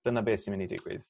Dyna be' sy'n myn' i digwydd